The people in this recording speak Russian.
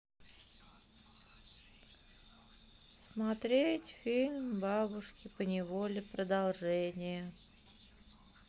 смотреть фильм бабушки поневоле продолжение